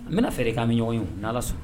N bɛna fɛrɛ kɛɛ an bɛ ɲɔgɔn ye n' allah sɔna'ma.